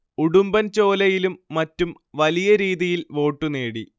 ഉടുമ്ബൻ ചോലയിലും മറ്റും വലിയ രീതിയിൽ വോട്ട് നേടി